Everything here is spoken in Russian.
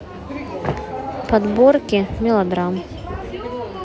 подборки мелодрам